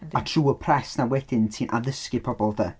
A trwy y press 'na wedyn ti'n addysgu pobl de.